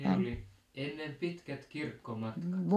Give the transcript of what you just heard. niillä oli ennen pitkät kirkkomatkat